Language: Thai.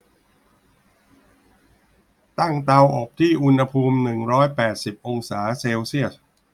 ตั้งเตาอบที่อุณหภูมิหนึ่งร้อยแปดสิบองศาเซลเซียส